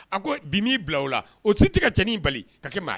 A ko bi m'i bila o la o tɛ kɛ cɛnin in bali ka kɛ maa ye